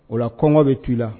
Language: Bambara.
O la kɔngɔ bɛ t'i la